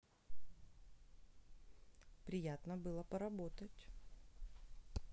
приятно было поработать